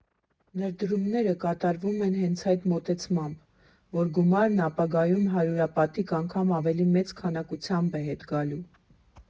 Ներդրումները կատարվում են հենց այդ մոտեցմամբ, որ գումարն ապագայում հարյուրապատիկ անգամ ավելի մեծ քանակությամբ է հետ գալու։